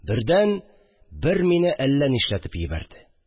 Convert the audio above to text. Бердән, бер мине әллә нишләтеп йибәрде